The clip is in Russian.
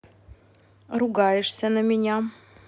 ругаешься на меня